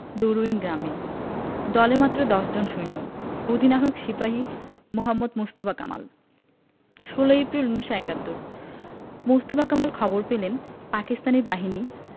দরুইন গ্রামে দলে মাত্র দশজন সৈন্য অধিনায়ক সিপাহি মোহাম্মদ মোস্তফা কামাল ১৬ এপ্রিল ১৯৭১ মোস্তফা কামাল খবর পেলেন পাকিস্তানি বাহিনী